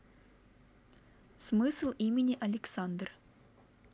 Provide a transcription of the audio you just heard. смысл имени александр